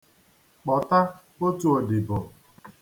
Kpọta otu odibo.